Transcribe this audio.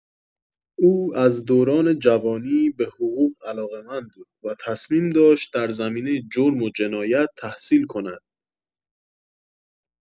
او از دوران جوانی به حقوق علاقه‌مند بود و تصمیم داشت در زمینه جرم و جنایت تحصیل کند